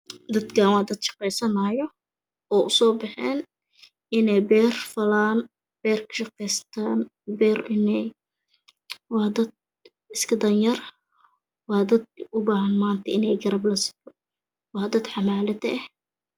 Dadkan waa dad shaqeysanyo oo u so baxen iney beer falaan beer ka shaqeystan beer iney waa dad iska Dan yar waa dad u bahan manta iney garab la siyo waa dad xamalato eh